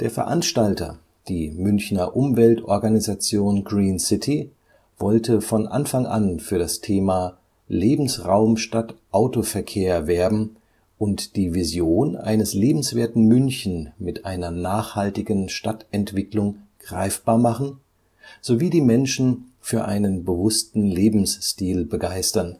Veranstalter, die Münchner Umweltorganisation Green City, wollte von Anfang an für das Thema „ Lebensraum anstatt Autoverkehr “werben und die Vision eines lebenswerten München mit einer nachhaltigen Stadtentwicklung greifbar machen sowie die Menschen für einen bewussten Lebensstil begeistern